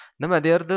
nima derdi